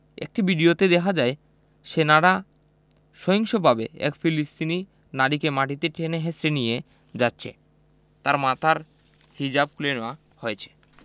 একটি ভিডিওতে দেখা যায় সেনারা সহিংসভাবে এক ফিলিস্তিনি নারীকে মাটিতে টেনে হেঁচড়ে নিয়ে যাচ্ছে তার মাথার হিজাব খুলে নেওয়া হয়েছে